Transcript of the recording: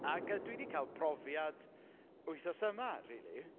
Ac yy dwi wedi cael profiad wythnos yma, rili.